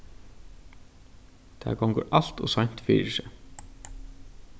tað gongur alt ov seint fyri seg